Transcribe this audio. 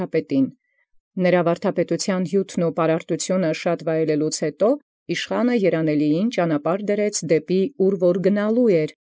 Առաւելագոյն իսկ վայելեալ ի հիւթ և ի պարարտութիւն վարդապետութեանն, յուղարկէ զերանելին՝ ուր և երթալոցն էր։